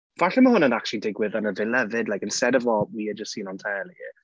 Falle mae hwnna'n acshyli digwydd yn y villa 'fyd like instead of what we're just seeing on telly.